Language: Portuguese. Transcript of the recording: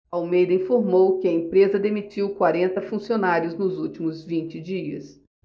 almeida informou que a empresa demitiu quarenta funcionários nos últimos vinte dias